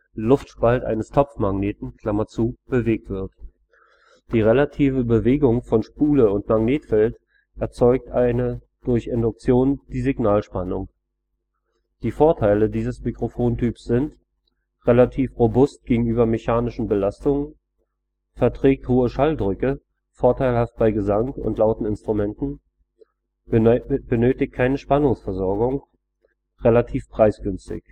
Luftspalt eines Topfmagneten) bewegt wird. Die relative Bewegung von Spule und Magnetfeld erzeugt durch Induktion die Signalspannung. Die Vorteile dieses Mikrofontyps sind: relativ robust gegenüber mechanischen Belastungen verträgt hohe Schalldrücke (vorteilhaft bei Gesang und lauten Instrumenten) benötigt keine Spannungsversorgung relativ preisgünstig